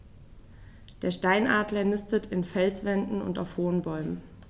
Der Steinadler nistet in Felswänden und auf hohen Bäumen.